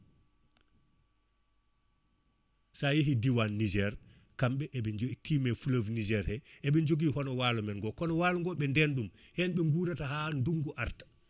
sa yeehi diwan Niger kamɓe eɓe jo tiime fleuve Niger he eɓe jogui hono walo men go kono wala go ɓe nden ɗum hen ɓe guurata ha nduggu arta